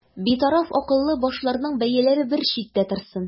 Битараф акыллы башларның бәяләре бер читтә торсын.